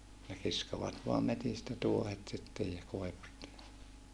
ne kiskovat vain metsistä tuohet sitten ja koivusta